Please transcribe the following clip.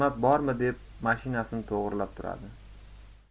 deb mashinasini to'g'rilab turadi